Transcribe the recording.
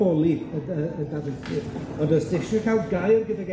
holi y dy- y darlithydd, ond os 'dych chi isie ca'l gair gydag...